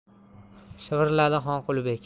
shivirladi xonqulibek